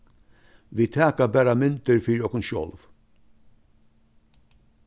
vit taka bara myndir fyri okkum sjálv